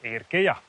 i'r Gaea.